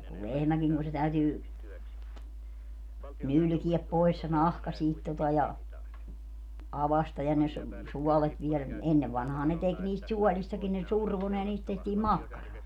ja kun lehmäkin kun se täytyy nylkeä pois se nahka siitä tuota ja aukaista ja ne - suolet viedä niin ennen vanhaan ne teki niistä suolistakin ne survoi ne ja niistä tehtiin makkaraa